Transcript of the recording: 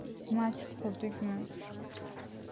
machit qurdikmi